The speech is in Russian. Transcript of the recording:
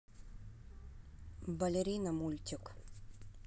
балерина мультик